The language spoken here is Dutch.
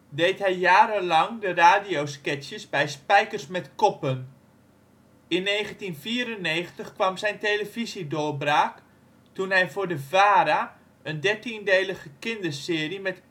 deed hij jarenlang de radiosketches bij Spijkers met Koppen. In 1994 kwam zijn televisiedoorbraak, toen hij voor de VARA een 13-delige kinderserie met